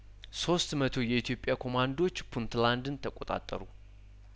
ሶስት መቶ የኢትዮጵያ ኮማንዶዎች ፑንትላንድን ተቆጣጠሩ